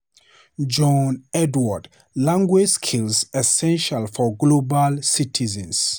John Edward: Languages skills essential for global citizens